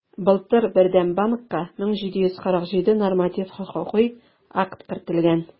Былтыр Бердәм банкка 1747 норматив хокукый акт кертелгән.